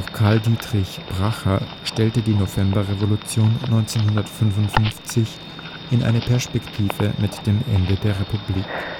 Karl Dietrich Bracher stellte die Novemberrevolution 1955 in eine Perspektive mit dem Ende der Republik